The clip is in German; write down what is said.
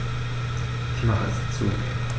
Ich mache es zu.